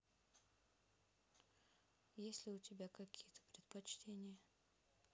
есть ли у тебя какие то предпочтения